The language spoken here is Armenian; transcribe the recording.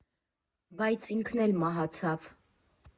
Բայց ինքն էլ մահացավ։